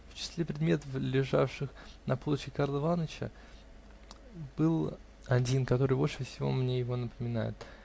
В числе предметов, лежавших на полочке Карла Иваныча, был один, который больше всего мне его напоминает.